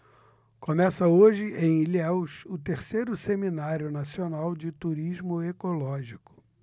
começa hoje em ilhéus o terceiro seminário nacional de turismo ecológico